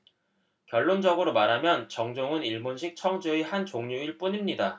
결론적으로 말하면 정종은 일본식 청주의 한 종류일 뿐입니다